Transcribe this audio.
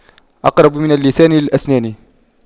أقرب من اللسان للأسنان